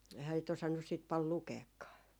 eihän sitä osannut sitten paljon lukeakaan